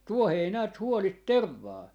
tuohi ei näet huoli tervaa